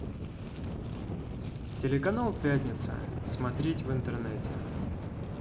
телеканал пятница смотреть в интернете